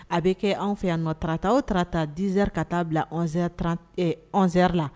A bɛ kɛ anw fɛ yan nɔ tata o tata dzeri ka taa bilaz zeri la